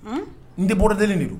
N tɛ bɔra deli de do